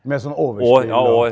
med sånn overspill .